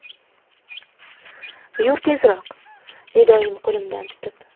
yur tezroq dedi oyim qo'limdan tutib